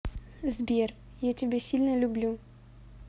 сбер я тебя сильно люблю